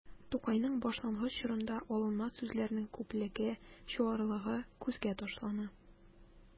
Тукайның башлангыч чорында алынма сүзләрнең күплеге, чуарлыгы күзгә ташлана.